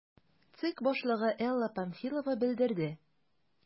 ЦИК башлыгы Элла Памфилова белдерде: